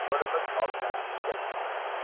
yo'limiz oldidan ichaylik